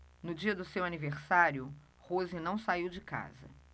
no dia de seu aniversário rose não saiu de casa